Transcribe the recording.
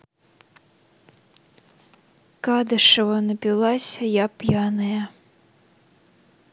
кадышева напилася я пьяная